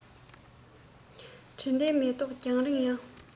དྲི ལྡན མེ ཏོག རྒྱང རིང ཡང